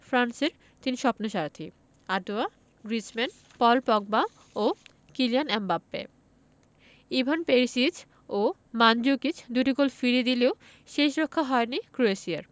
ফ্রান্সের তিন স্বপ্নসারথি আঁতোয়া গ্রিজমান পল পগবা ও কিলিয়ান এমবাপ্পে ইভান পেরিসিচ ও মানজুকিচ দুটি গোল ফিরিয়ে দিলেও শেষরক্ষা হয়নি ক্রোয়েশিয়ার